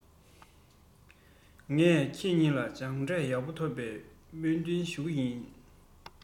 ངས ཁྱེད གཉིས ལ སྦྱངས འབྲས ཡག པོ ཐོབ པའི སྨོན འདུན ཞུ གི ཡིན